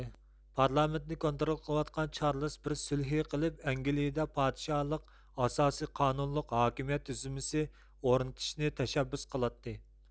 پارلامېنتنى كونترول قىلىۋاتقان چارلىز بىر سۈلھى قىلىپ ئەنگىلىيىدە پادىشاھلىق ئاساسىي قانۇنلۇق ھاكىمىيەت تۈزۈلمىسى ئورنىتىشنى تەشەببۇس قىلاتتى